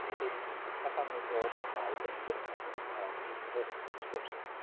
Felly dyna pam o'n i'n dod â'r ddau gwestiwn yma yn nheitl y sgwrs.